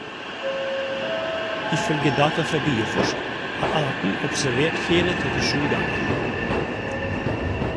Ifølge data fra Bioforsk, er arten observert hele 37 ganger.